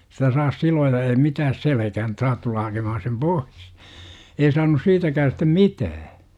sitä saa siloja ei mitään selkään että saat tulla hakemaan sen pois ei saanut siitäkään sitten mitään